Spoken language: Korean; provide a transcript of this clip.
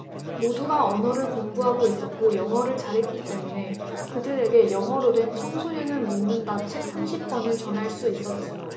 모두가 언어를 공부하고 있었고 영어를 잘했기 때문에 그들에게 영어로 된 청소년은 묻는다 책 삼십 권을 전할 수 있었지요